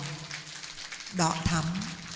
đỏ thắm